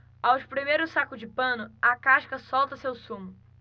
ao espremer o saco de pano a casca solta seu sumo